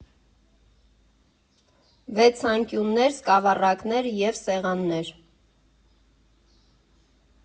Վեցանկյուններ, սկավառակներ և սեղաններ։